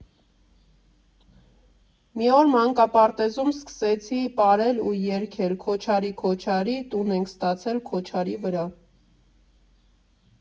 Մի օր մանկապարտեզում սկսեցի պարել ու երգել՝ «Քոչարի, քոչարի, տուն ենք ստացել Քոչարի վրա»։